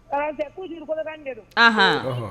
Ɔnhɔn, c'est toujours Kolokani de don; Anhan; Anhan.